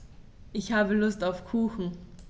Ich habe Lust auf Kuchen.